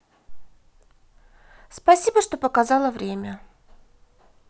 спасибо что показала время